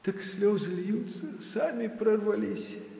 так слезы льются, сами прорвались.